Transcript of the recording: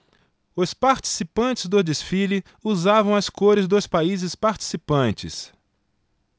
os participantes do desfile usavam as cores dos países participantes